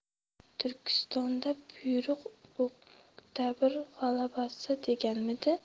turkistonda buyuk o'ktabr g'alabasi deganmidi